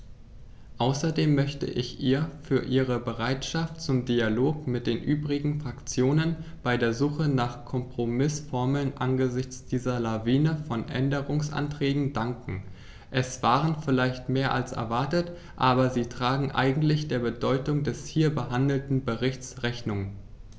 Außerdem möchte ich ihr für ihre Bereitschaft zum Dialog mit den übrigen Fraktionen bei der Suche nach Kompromißformeln angesichts dieser Lawine von Änderungsanträgen danken; es waren vielleicht mehr als erwartet, aber sie tragen eigentlich der Bedeutung des hier behandelten Berichts Rechnung.